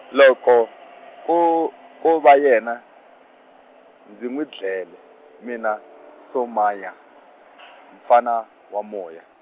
loko ko ko va yena, ndzi n'wi dlele, mina Somaya , mfana, wa moya.